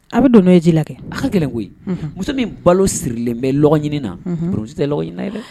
A bɛ don'o ye ji la kɛ a ka kɛlen koyi muso min balo sirilen bɛ ɲini na p tɛ